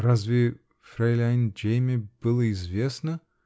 -- Разве фрейлейн Джемме было известно.